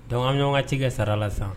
Dɔnku ɲɔgɔn ka ci ka sara la san